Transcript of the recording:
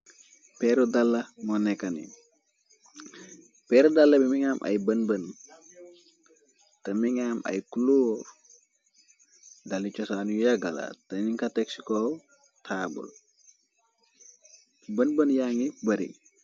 Peeru daala moo nekani peeru dala bi mingaam ay bën bën. Te mingaam ay clóor dani cosaan yu yaggala te. Ni ka teg cikow taabul bën bën yangi bari.